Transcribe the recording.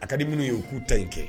A kadi minnu ye u k'u ta in kɛ.